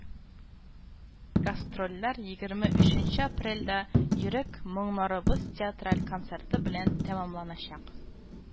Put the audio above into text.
Гастрольләр егерме өченче апрельдә Йөрәк моңнарыбыз театраль концерты белән тәмамланачак